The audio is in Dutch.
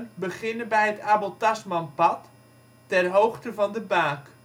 beginnen bij het Abel Tasmanpad, ter hoogte van de Baak